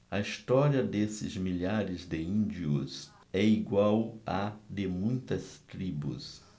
a história desses milhares de índios é igual à de muitas tribos